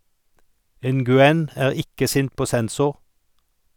Nguyen er ikke sint på sensor.